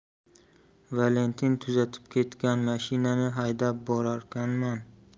valentin tuzatib ketgan mashinani haydab borarkanman